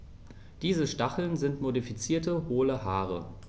Diese Stacheln sind modifizierte, hohle Haare.